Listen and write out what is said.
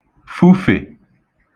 fufè